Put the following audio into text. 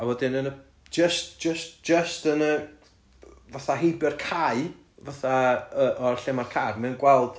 A wedyn yn y... jyst jyst jyst yn y fatha heibio'r cae fatha yy o lle ma'r car mae'n gweld...